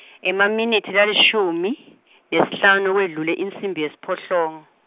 Emaminitsi lalishumi, nesihlanu kwendlule insimbi yesiphohlongo.